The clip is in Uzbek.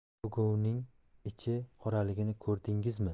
bu govning ichi qoraligini ko'rdingizmi